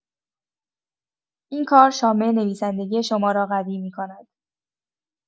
این کار شامه نویسندگی شما را قوی می‌کند.